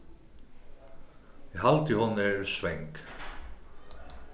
eg haldi hon er svang